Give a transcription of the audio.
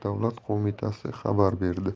davlat qo'mitasi xabar berdi